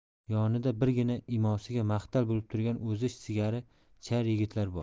yonida birgina imosiga mahtal bo'lib turgan o'zi singari chayir yigitlari bor